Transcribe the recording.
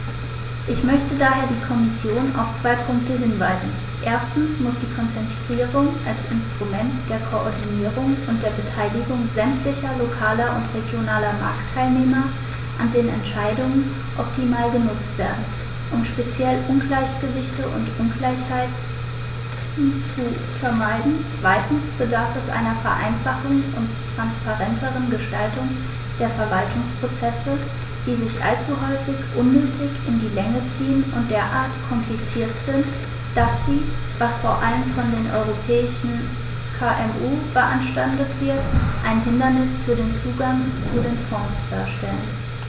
Ich möchte daher die Kommission auf zwei Punkte hinweisen: Erstens muss die Konzertierung als Instrument der Koordinierung und der Beteiligung sämtlicher lokaler und regionaler Marktteilnehmer an den Entscheidungen optimal genutzt werden, um speziell Ungleichgewichte und Ungleichheiten zu vermeiden; zweitens bedarf es einer Vereinfachung und transparenteren Gestaltung der Verwaltungsprozesse, die sich allzu häufig unnötig in die Länge ziehen und derart kompliziert sind, dass sie, was vor allem von den europäischen KMU beanstandet wird, ein Hindernis für den Zugang zu den Fonds darstellen.